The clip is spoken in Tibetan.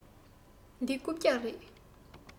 འདི རྐུབ བཀྱག རེད